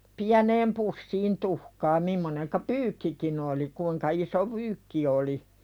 pieneen pussiin tuhkaa mimmoinen pyykkikin oli kuinka iso pyykki oli